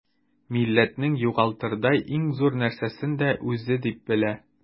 Милләтнең югалтырдай иң зур нәрсәсен дә үзе дип белә.